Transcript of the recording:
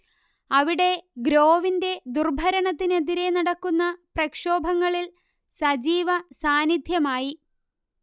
അവിടെ ഗ്രോവിന്റെ ദുർഭരണത്തിനെതിരേ നടക്കുന്ന പ്രക്ഷോഭങ്ങളിൽ സജീവ സാന്നിദ്ധ്യമായി